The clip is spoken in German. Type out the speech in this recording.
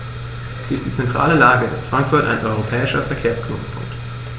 Durch die zentrale Lage ist Frankfurt ein europäischer Verkehrsknotenpunkt.